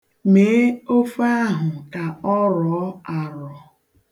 Mee ofe ahụ ka ọ rọọ arọ.